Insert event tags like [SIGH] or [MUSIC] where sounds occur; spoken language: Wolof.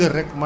[HESITATION] [HESITATION]